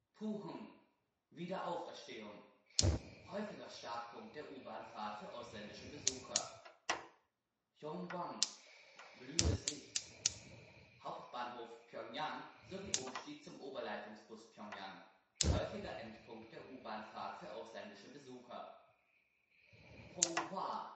Puhŭng (부흥 = Wiederauferstehung), Häufiger Startpunkt der U-Bahn-Fahrt für ausländische Besucher Yŏnggwang (영광 = Blühendes Licht), Hauptbahnhof Pjöngjang sowie Umstieg zum Oberleitungsbus Pjöngjang – Häufiger Endpunkt der U-Bahn-Fahrt für ausländische Besucher Ponghwa